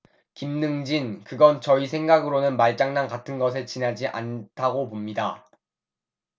김능진 그건 저희 생각으로는 말장난 같은 것에 지나지 않다고 봅니다